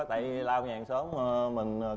tại đi lau nhà hàng xóm ơ mình